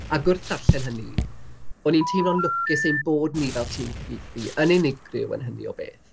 Ac wrth ddarllen hynny, o'n i'n teimlo'n lwcus ein bod ni fel tîm cyfieithu yn unigryw yn hynny o beth.